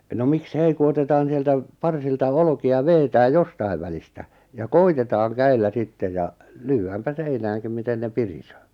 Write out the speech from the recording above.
no miksi ei kun otetaan sieltä parsilta olkia vedetään jostakin välistä ja koetetaan käsillä sitten ja lyödäänpä seinäänkin miten ne pirisee